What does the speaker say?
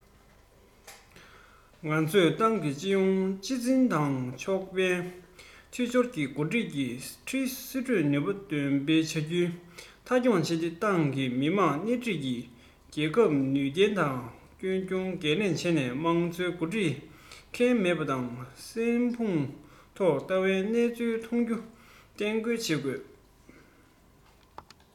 ང ཚོས ཏང གི སྤྱི ཡོངས གཅིག འཛིན དང ཕྱོགས ཁག མཐུན སྦྱོར གྱི འགོ ཁྲིད ཀྱི སྲོག ཤིང ནུས པ འདོན སྤེལ བྱ རྒྱུ མཐའ འཁྱོངས བྱས ཏེ ཏང གིས མི དམངས སྣེ ཁྲིད དེ རྒྱལ ཁབ ནུས ལྡན ངང སྐྱོང རྒྱུའི འགན ལེན བྱས ནས མང ཚོགས འགོ འཁྲིད མཁན མེད པ དང སྲན ཕུང ཐོར བ ལྟ བུའི སྣང ཚུལ ཐོན རྒྱུ གཏན འགོག བྱེད དགོས